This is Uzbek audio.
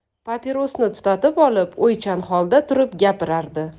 papirosni tutatib olib o'ychan holda turib gapirardi